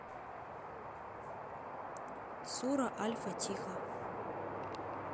сура аль фатиха